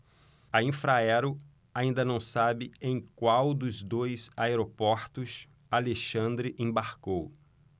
a infraero ainda não sabe em qual dos dois aeroportos alexandre embarcou